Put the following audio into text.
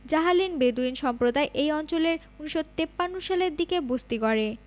Jahalin Bedouin সম্প্রদায় এই অঞ্চলে ১৯৫৩ সালের দিকে বসতি গড়ে